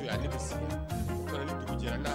Dugu jɛra